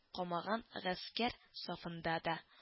Камаган гаскәр сафында да